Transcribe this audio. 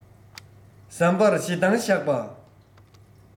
ཟམ པར ཞེ འདང བཞག པ